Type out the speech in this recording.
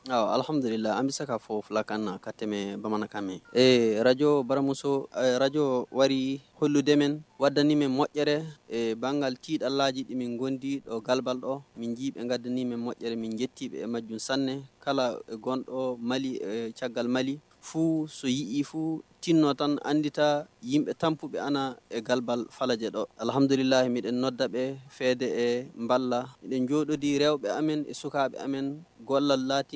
Alihamidula an bɛ se ka fɔ fila kan na ka tɛmɛ bamanankan mɛn ee arajo baramuso arajo wari hd wad mɛn mɔ bangati alallajimididɔji n kad mɛnre minti majsan k' gdɔ mali ca gama fu soyi i fu ti nɔ tan andi taa tanpbi anfa lajɛda alilhamdulayi n nɔ da bɛ fɛ de n nbari la joo dɔ di yɛrɛ bɛ sowalalati